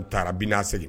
N taara binse